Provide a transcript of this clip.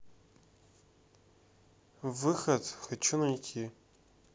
выход хочу найти